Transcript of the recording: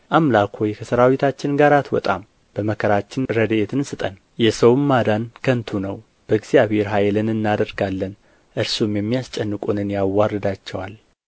አምላክ ሆይ ከሠራዊታችን ጋር አትወጣም በመከራችን ረድኤትን ስጠን የሰውም ማዳን ከንቱ ነው በእግዚአብሔር ኃይልን እናደርጋለን እርሱም የሚያስጨንቁንን ያዋርዳቸዋል